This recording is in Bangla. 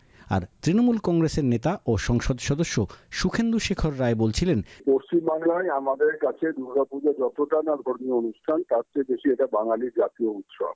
আর তৃণমূল কংগ্রেসের নেতা ও সংসদ সদস্য শুখেন্দু শেখর রায় বলছিলেন পশ্চিমবাংলায় আমাদের দুর্গাপুজোর যতটা না ধর্মীয় অনুষ্ঠান তার থেকে বেশি এটা বাঙালির জাতীয় উৎসব